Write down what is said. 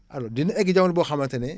alors dina egg jamono boo xamante ne